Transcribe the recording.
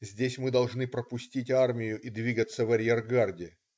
Здесь мы должны пропустить армию и двигаться в арьергарде.